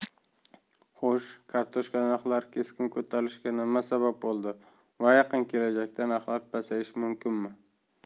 xo'sh kartoshka narxlari keskin ko'tarilishiga nima sabab bo'ldi va yaqin kelajakda narxlar pasayishi mumkinmi